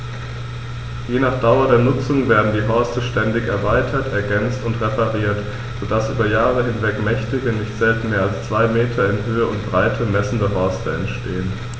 Je nach Dauer der Nutzung werden die Horste ständig erweitert, ergänzt und repariert, so dass über Jahre hinweg mächtige, nicht selten mehr als zwei Meter in Höhe und Breite messende Horste entstehen.